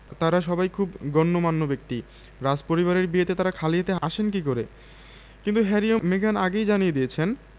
তাঁরা সবাই খুব গণ্যমান্য ব্যক্তি রাজপরিবারের বিয়েতে তাঁরা খালি হাতে আসেন কী করে কিন্তু হ্যারি ও মেগান আগেই জানিয়ে দিয়েছেন